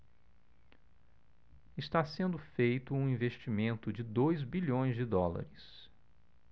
está sendo feito um investimento de dois bilhões de dólares